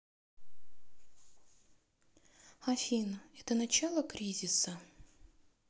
афина это начало кризиса